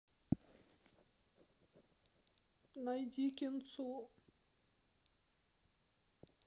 найди кинцо